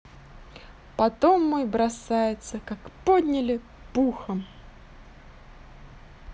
потом мой бросается как подняли пухом